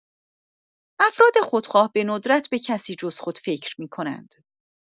افراد خودخواه به‌ندرت به کسی جز خود فکر می‌کنند.